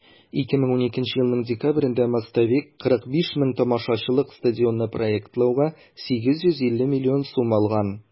2012 елның декабрендә "мостовик" 45 мең тамашачылык стадионны проектлауга 850 миллион сум алган.